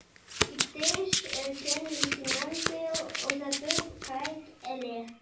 Иптәш өлкән лейтенантны озатып кайт әле.